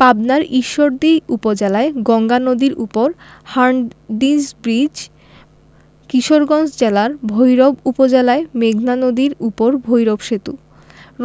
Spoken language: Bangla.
পাবনার ঈশ্বরদী উপজেলায় গঙ্গা নদীর উপর হার্ডিঞ্জ ব্রিজ কিশোরগঞ্জ জেলার ভৈরব উপজেলায় মেঘনা নদীর উপর ভৈরব সেতু